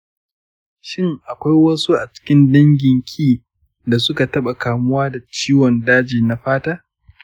shin akwai wasu a cikin danginki da suka taɓa kamuwa da ciwon daji na fata?